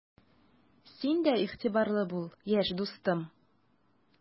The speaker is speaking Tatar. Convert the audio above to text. Син дә игътибарлы бул, яшь дустым!